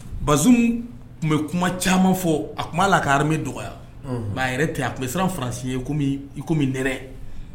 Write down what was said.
Bazum tun bɛ kuma caaman fɔ; a tun b'a la ka armée dɔgɔya, a yɛrɛ tɛ yan, a tun bɛ siran faransi ɲɛ kɔmi nɛnɛ.